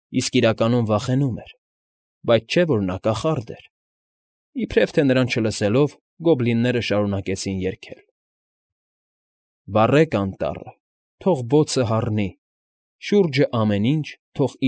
Իսկ իրականում վախենում էր, բայց չէ՞ որ նա կախարդ էր… Իբրև թե նրան չլսելով, գոբլինները շարունակեցին երգել. Վառեք անտառը, թող բոցը հառնի, Շուրջը ամեն ինչ թող։